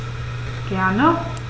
Gerne.